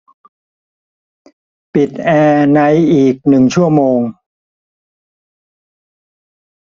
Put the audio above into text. ปิดแอร์ในอีกหนึ่งชั่วโมง